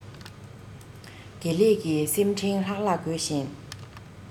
དགེ ལེགས ཀྱི ཚེམས ཕྲེང ལྷག ལྷག དགོད བཞིན